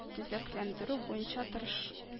Төзекләндерү буенча тырыш